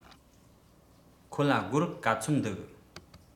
ཁོ ལ སྒོར ག ཚོད འདུག